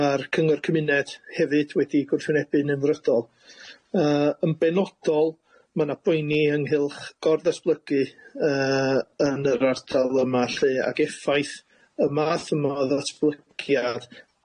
ma'r cyngor cymuned hefyd wedi gwrthwynebu'n yn emfrydol yy yn benodol ma' na boeni ynghylch gor-ddatblygu yy yn yr ardal yma lly ag effaith y math yma o ddatblygiad